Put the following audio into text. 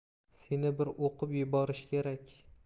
seni bir o'qib yuborish kerak